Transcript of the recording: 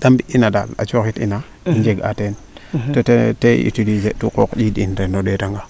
de mbi ina daal a coxit ina jeg aam teen to ten i utiliser tu a qooq njiind in ren o ndeeta nga